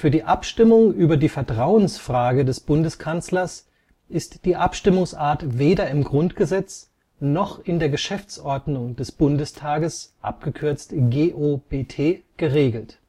die Abstimmung über die Vertrauensfrage des Bundeskanzlers ist die Abstimmungsart weder im Grundgesetz noch in der Geschäftsordnung des Bundestags (GOBT) geregelt